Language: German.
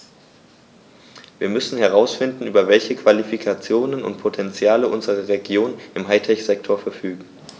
Wir müssen herausfinden, über welche Qualifikationen und Potentiale unsere Regionen im High-Tech-Sektor verfügen.